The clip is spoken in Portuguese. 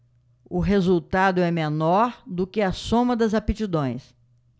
o resultado é menor do que a soma das aptidões